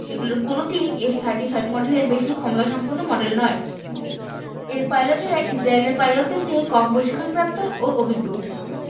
এগুলোর কোনোটিই F thirty five মডেলের বেশি ক্ষমতাসম্পন্ন মডেল নয় এর পাইলটেরা ইসরায়েলের পাইলটদের চেয়ে কম প্রশিক্ষণপ্রাপ্ত ও অভিজ্ঞ